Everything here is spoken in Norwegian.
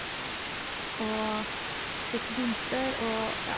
Og fikk blomster og, ja.